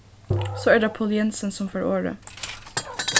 so er tað poul jensen sum fær orðið